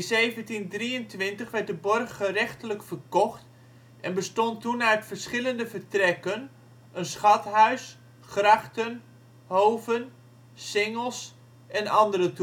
1723 werd de borg gerechtelijk verkocht en bestond toen uit verschillende vertrekken, een schathuis, grachten, hoven, singels en andere